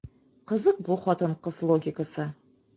Кызык бу хатын-кыз логикасы.